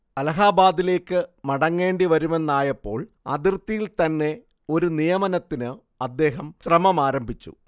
അലഹബാദിലേക്ക് മടങ്ങേണ്ടി വരുമെന്നായപ്പോൾ അതിർത്തിയിൽത്തന്നെ ഒരു നിയമനത്തിന് അദ്ദേഹം ശ്രമമാരംഭിച്ചു